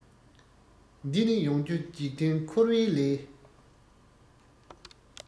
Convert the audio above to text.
འདི ནི ཡོང རྒྱུ འཇིག རྟེན འཁོར བའི ལས